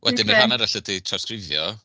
Wedyn y rhan arall ydy trawsgrifio